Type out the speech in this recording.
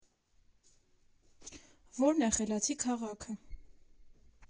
Ո՞րն է «խելացի քաղաքը»